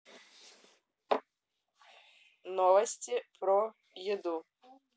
новости про еду